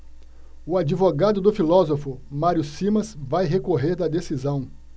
o advogado do filósofo mário simas vai recorrer da decisão